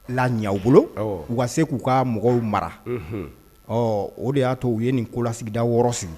La ɲɛ' bolo u ka se k'u ka mɔgɔw mara ɔ o de y'a to u ye nin kolasigida wɔɔrɔsi